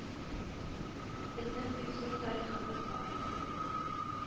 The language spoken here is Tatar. Безнең бик зур тарихыбыз бар